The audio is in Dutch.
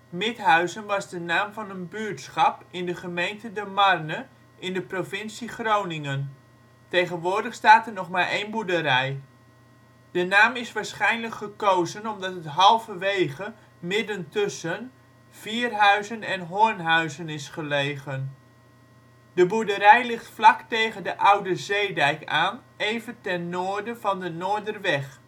Midhuizen was de naam van een buurtschap in de gemeente De Marne in de provincie Groningen. Tegenwoordig staat er nog maar één boerderij. De naam is waarschijnlijk gekozen omdat het halverwege (midden tussen) Vierhuizen en Hornhuizen is gelegen. De boerderij ligt vlak tegen de oude zeedijk aan even ten noorden van de Noorderweg